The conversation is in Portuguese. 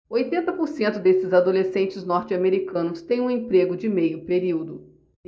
oitenta por cento desses adolescentes norte-americanos têm um emprego de meio período